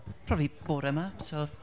Probably bore 'ma, so...